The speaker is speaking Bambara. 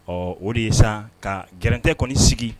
Ɔ o de ye sa ka gɛlɛn tɛ kɔni sigi